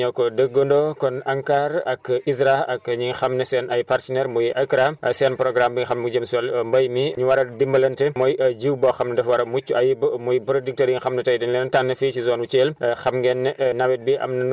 mbokk yi jërë ngeen jëf ñun ñëpp ñoo ko déggandoo kon ANCAR ak ISRA ak ñi nga xam ne seen ay partenaires muy AICRA seen programme bi nga xam moo jëm si wàllu mbéy mi ñu war a dimbalante mooy jiw boo xam ne dafa war a mucc ayib muy producteurs yi nga xam ne tey dañ leen tànn fii si zone bu Thiel